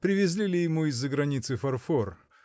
привезли ли ему из-за границы фарфор?